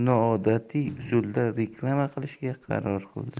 noodatiy usulda reklama qilishga qaror qildi